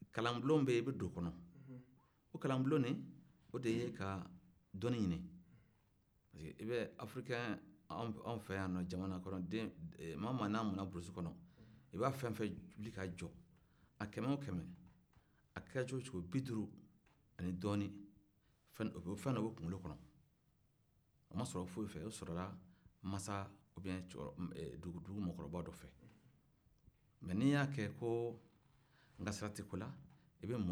aw fɛ yan no jamana kɔnɔ den e mama na mɔna burusu kɔnɔ i bɛ fɛn fɛn wili k'a jɔ a kɛmɛ o kɛmɛ a kɛra cogo cogo biduuru ani dɔɔnnin fɛn dɔ fɛn dɔ b'o kunkolo kɔnɔ o ma sɔrɔ fɔsi fɛ o sɔrɔ la maasa u biyen dugu mɔgɔkɔrɔba dɔ fɛ mɛ ni y'a kɛ ko an ka sira tɛ ko la i bɛ mɔ ten